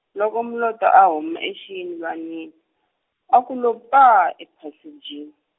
loko Moloto a huma exiyindlwanini, a ku lo paa ephasejini.